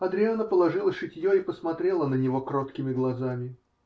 Адриана положила шитье и посмотрела на него кроткими глазами.